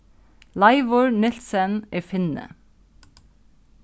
leivur nielsen er finni